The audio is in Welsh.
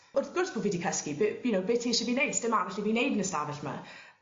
wrth gwrs bo' fi 'di cysgu be' you know be' ti isie fi neud sdim arall i fi' neud yn y stafell 'ma